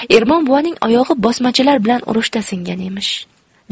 ermon buvaning oyog'i bosmachilar bilan urushda singan emish